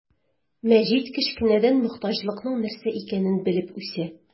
Мәҗит кечкенәдән мохтаҗлыкның нәрсә икәнен белеп үсә.